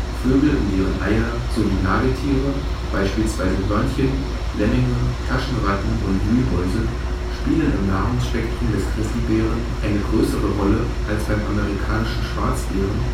Vögel und deren Eier sowie Nagetiere, beispielsweise Hörnchen, Lemminge, Taschenratten und Wühlmäuse spielen im Nahrungsspektrum des Grizzlybären eine größere Rolle als beim Amerikanischen Schwarzbären